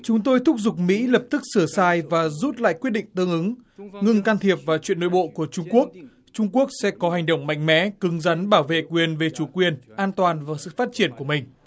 chúng tôi thúc giục mỹ lập tức sửa sai và rút lại quyết định tương ứng ngừng can thiệp vào chuyện nội bộ của trung quốc trung quốc sẽ có hành động mạnh mẽ cứng rắn bảo vệ quyền về chủ quyền an toàn và sự phát triển của mình